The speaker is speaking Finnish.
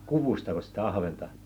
kudustako sitä ahventa